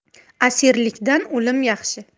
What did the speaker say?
asirlikdan o'lim yaxshi